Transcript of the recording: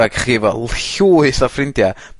ag chi efe l- llwyth a ffrindia